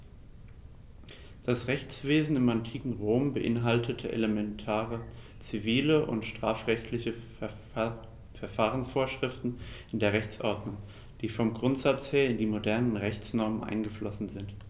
Das Rechtswesen im antiken Rom beinhaltete elementare zivil- und strafrechtliche Verfahrensvorschriften in der Rechtsordnung, die vom Grundsatz her in die modernen Rechtsnormen eingeflossen sind.